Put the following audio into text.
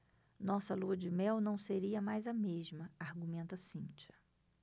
nossa lua-de-mel não seria mais a mesma argumenta cíntia